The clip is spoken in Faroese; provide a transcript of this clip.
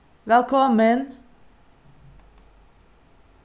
vælkomin